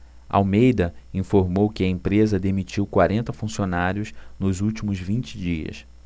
almeida informou que a empresa demitiu quarenta funcionários nos últimos vinte dias